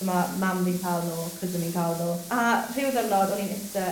ma' mam fi'n ca'l n'w cousin i'n ca'l n'w. A rhyw ddiwrnod o'n i'n iste